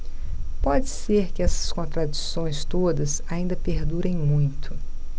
pode ser que estas contradições todas ainda perdurem muito